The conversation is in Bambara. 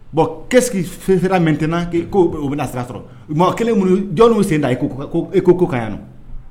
Bon qu'est qui fait fera maintenat k'o bɛna sira sɔrɔ? O ma kelen ninnu , jɔn y'i sen da - -eco ka yan nɔ?